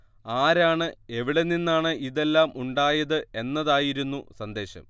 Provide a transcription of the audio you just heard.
ആരാണ് എവിടെ നിന്നാണ് ഇതെല്ലാം ഉണ്ടായത് എന്നതായിരുന്നു സന്ദേശം